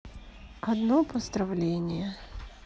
одно поздравление